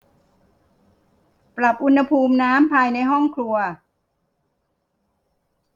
ปรับอุณหภูมิน้ำภายในห้องครัว